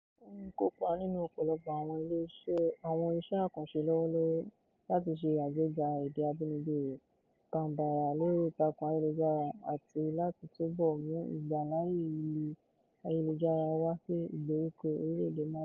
Ó ń kópa nínú ọ̀pọ̀lọpọ̀ àwọn iṣẹ́ àkànṣe lọ́wọ́lọ́wọ́ láti ṣe àgbéga èdè abínibí rẹ̀, Bambara, lórí ìtàkùn ayélujára, àti láti túbọ̀ mú ìgbàláàyé ìlò ayélujára wá sí ìgbèríko orílè-èdè Mali.